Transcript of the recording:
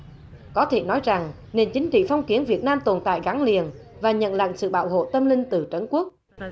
có thể nói rằng nền chính trị phong kiến việt nam tồn tại gắn liền và nhận lãnh sự bảo hộ tâm linh từ trấn quốc